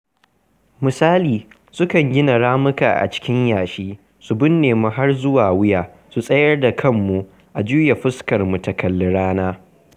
Misali, sukan gina ramuka a cikin yashi, su binne mu har zuwa wuya, su tsayar da kanmu, a juya fuskarmu ta kalli rana.